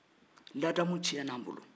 ladamu tiɲɛ na an bol